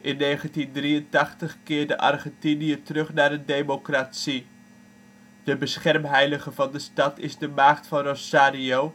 In 1983 keerde Argentinië terug tot een democratie. De beschermheilige van de stad is de Maagd van Rosario